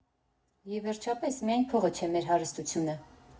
Եվ վերջապես, միայն փողը չէ մեր հարստությունը։